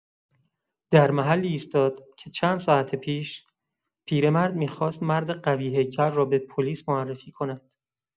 در محلی ایستاد که چند ساعت پیش، پیرمرد می‌خواست مرد قوی‌هیکل را به پلیس معرفی کند.